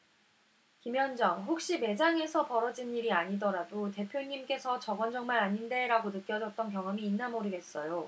김현정 혹시 매장에서 벌어진 일이 아니더라도 대표님께서 저건 정말 아닌데 라고 느껴졌던 경험이 있나 모르겠어요